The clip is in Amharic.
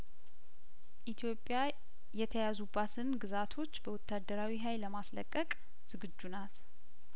ኢትዮጵያ የተያዙባትን ግዛቶች በወታደራዊ ሀይል ለማስለቀቅ ዝግጁ ናት